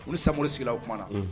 U ni sa sigira o kuma na